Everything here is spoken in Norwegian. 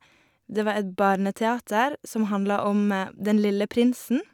Det var et barneteater som handla om den lille prinsen.